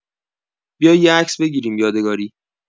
بیا یه عکس بگیریم یادگاری